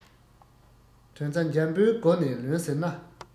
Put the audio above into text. དོན རྩ འཇམ པོའི སྒོ ནས ལོན ཟེར ན